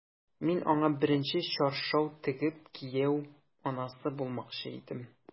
Мин аңа беренче чаршау тегеп, кияү анасы булмакчы идем...